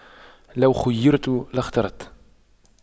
لو خُيِّرْتُ لاخترت